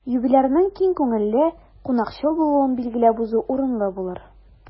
Юбилярның киң күңелле, кунакчыл булуын билгеләп узу урынлы булыр.